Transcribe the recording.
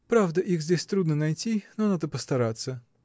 Правда, их здесь трудно найти; но надо постараться.